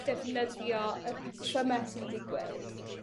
defnyddio yr patryme sy'n digwydd